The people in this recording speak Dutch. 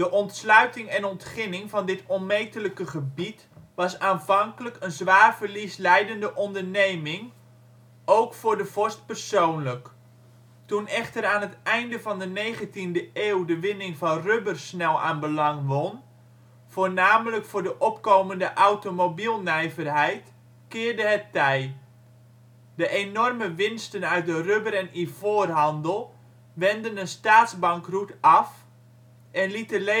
ontsluiting en ontginning van dit onmetelijke gebied was aanvankelijk een zwaar verlieslijdende onderneming, ook voor de vorst persoonlijk. Toen echter aan het einde van de 19de eeuw de winning van rubber snel aan belang won, voornamelijk voor de opkomende automobielnijverheid, keerde het tij. De enorme winsten uit de rubber - en ivoorhandel wendden een staatsbankroet af en lieten